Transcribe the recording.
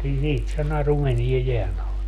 siitä se naru meni jään alle